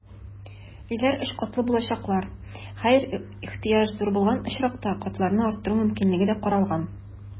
Өйләр өч катлы булачаклар, хәер, ихтыяҗ зур булган очракта, катларны арттыру мөмкинлеге дә каралган.